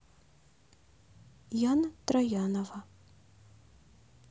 яна троянова